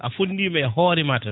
a fondimo e hoorema tan